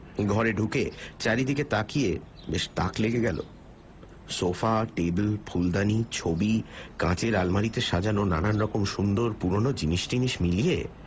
ঘরে ঢুকে চারদিকে তাকিয়ে বেশ তাক লেগে গেল সোফা টেবিল ফুলদানি ছবি কাচের আলমারিতে সাজানো নানারকম সুন্দর পুরনো জিনিস টিনিস মিলিয়ে